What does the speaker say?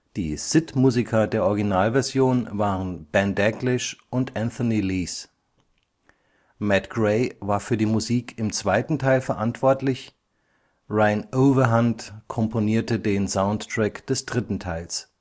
Die SID-Musiker der Originalversion waren Ben Daglish und Anthony Lees. Matt Gray war für die Musik im zweiten Teil verantwortlich. Reyn Ouwehand komponierte den Soundtrack des dritten Teils